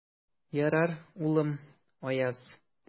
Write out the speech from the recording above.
Ярар, улым, Аяз.